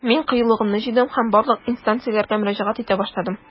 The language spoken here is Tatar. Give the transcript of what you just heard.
Мин кыюлыгымны җыйдым һәм барлык инстанцияләргә мөрәҗәгать итә башладым.